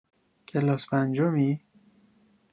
کلاس پنجمی؟